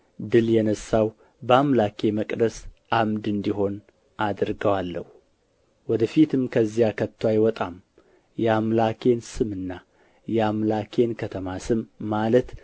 ድል የነሣው በአምላኬ መቅደስ ዓምድ እንዲሆን አደርገዋለሁ ወደ ፊትም ከዚያ ከቶ አይወጣም የአምላኬን ስምና የአምላኬን ከተማ ስም ማለት